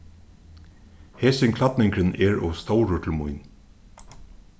hesin klædningurin er ov stórur til mín